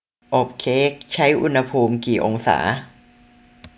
อบเค้กใช้อุณหภูมิกี่องศา